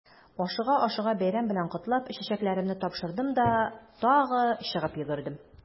Ашыга-ашыга бәйрәм белән котлап, чәчәкләремне тапшырдым да тагы чыгып йөгердем.